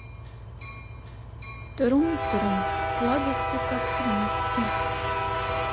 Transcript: трум трум сладости как принести